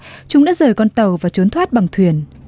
chúng đã rời con tàu và trốn thoát bằng thuyền